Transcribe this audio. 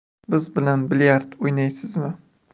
biz bilan bilyard o'ynaysizmi